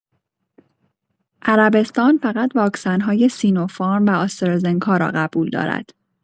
عربستان فقط واکسن‌های سینوفارم و آسترازنکا را قبول دارد.